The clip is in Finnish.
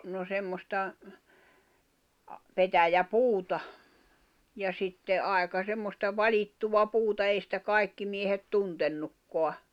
no semmoista petäjäpuuta ja sitten aika semmoista valittua puuta ei sitä kaikki miehet tuntenutkaan